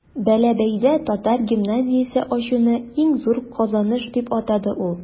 Бәләбәйдә татар гимназиясе ачуны иң зур казаныш дип атады ул.